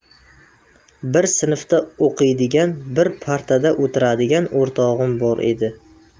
bir sinfda o'qiydigan bir partada o'tiradigan o'rtog'im bor edi